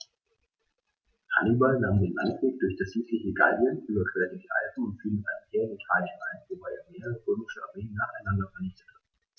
Hannibal nahm den Landweg durch das südliche Gallien, überquerte die Alpen und fiel mit einem Heer in Italien ein, wobei er mehrere römische Armeen nacheinander vernichtete.